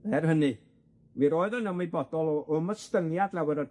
Er hynny, mi roedd yn ymwybodol o wmystyngiad lawer o'r